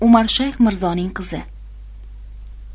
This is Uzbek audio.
umarshayx mirzoning qizi